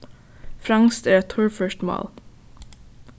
franskt er eitt torført mál